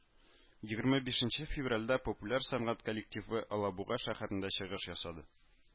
Егерме бишенче февральдә популяр сәнгать коллективы алабуга шәһәрендә чыгыш ясады